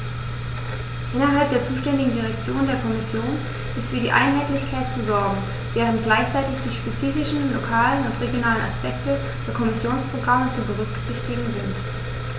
Innerhalb der zuständigen Direktion der Kommission ist für Einheitlichkeit zu sorgen, während gleichzeitig die spezifischen lokalen und regionalen Aspekte der Kommissionsprogramme zu berücksichtigen sind.